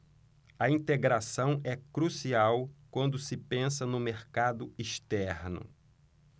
a integração é crucial quando se pensa no mercado externo